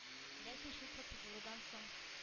Ләкин шул процедурадан соң